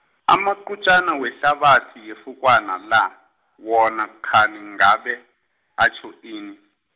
amaqutjana wehlabathi yefukwana la, wona kghani ngabe, atjho ini.